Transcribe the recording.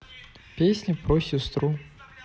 песня про сестру